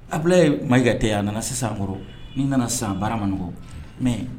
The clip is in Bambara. A bila ye makatɛya a nana sisankɔrɔ ni nana san baara man nɔgɔ mɛ